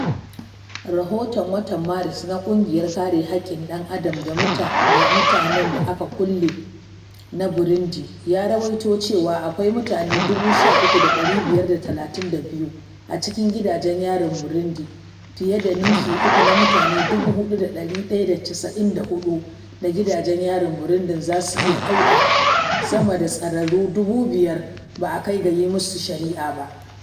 Rahoton watan Maris na Ƙungiyar Kare Haƙƙin Dan Adam da Mutanen Da Aka Kulle (APRODH) na Burundi, ya rawaito cewa akwai mutane 13,532 a cikin gidajen yarin Burundi, fiye da ninki uku na mutane 4,194 da gidajen yarin Burundi zasu iya ɗauka; sama da tsararru 5,000 ba a kai ga yi musu shari’a ba.